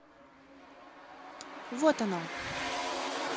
вот она